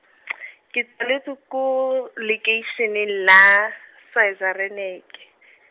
ke tsaletswe ko, lekeiseneng la, Schweizer Reneke.